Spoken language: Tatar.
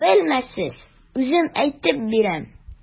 Белмәссез, үзем әйтеп бирәм.